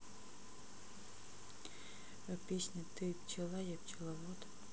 песня ты пчела я пчеловод